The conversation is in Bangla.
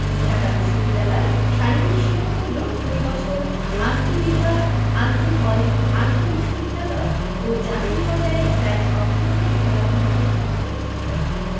ঢাকা বিশ্ববিদ্যালয় শারীরিক শিক্ষা কেন্দ্র প্রতিবছর আন্তঃবিভাগ আন্তঃহল আন্তঃবিশ্ববিদ্যালয় ও জাতীয় পর্যায়ে প্রায় সব ধরনের খেলাধুলার ব্যবস্থা করে থাকে